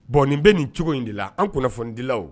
Bɔnnen bɛ nin cogo in de la an kunnafonidilaw